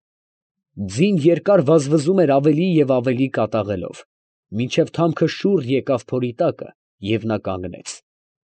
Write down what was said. Ձին երկար վազվզում էր ավելի և ավելի կատաղելով, մինչև թամքը շուռ եկավ փորի տակը, և նա կանգնեց։